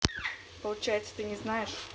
получается ты не знаешь